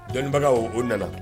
Dɔnnibagaw o nana